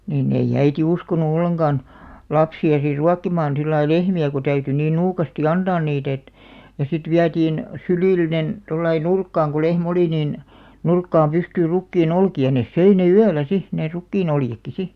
niin ei äiti uskonut ollenkaan lapsia sitten ruokkimaan sillä lailla lehmiä kun täytyi niin nuukasti antaa niitä että ja sitten vietiin sylillinen tuolla lailla nurkkaan kun lehmä oli niin nurkkaan pystyyn rukiin olkia ne söi ne yöllä sitten ne rukiin oljetkin sitten